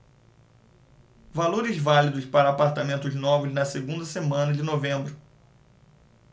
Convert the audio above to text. valores válidos para apartamentos novos na segunda semana de novembro